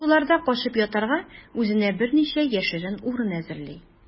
Шуларда качып ятарга үзенә берничә яшерен урын әзерли.